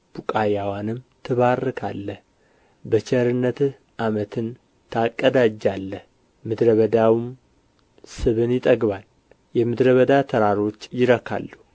ቡቃያዋንም ትባርካለህ በቸርነትህ ዓመትን ታቀዳጃለህ ምድረ በዳውም ስብን ይጠግባል የምድረ በዳ ተራሮች ይረካሉ